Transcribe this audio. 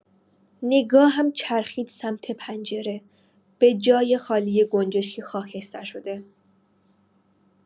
نگاهم چرخید سمت پنجره، به جای‌خالی گنجشک خاکستر شده.